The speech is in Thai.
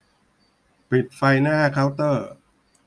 ปิดไฟหน้าเคาน์เตอร์